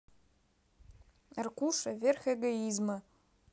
arkusha верх эгоизма